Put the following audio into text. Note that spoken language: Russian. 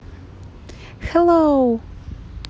hello